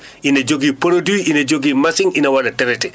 ina jogii produit ina jogii machine ina waɗa traité